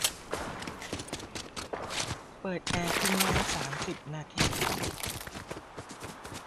เปิดแอร์ทิ้งไว้สามสิบนาที